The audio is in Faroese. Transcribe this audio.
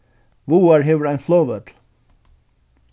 vágar hevur ein flogvøll